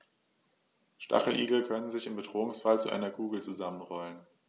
Stacheligel können sich im Bedrohungsfall zu einer Kugel zusammenrollen.